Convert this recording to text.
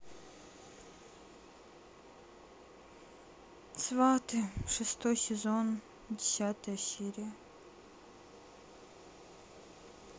сваты шестой сезон десятая серия